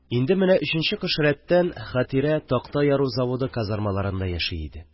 Инде менә өченче кыш рәттән Хәтирә такта яру заводы казармаларында яши иде